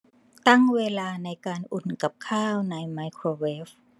ตั้งเวลาในการอุ่นกับข้าวในไมโครเวฟ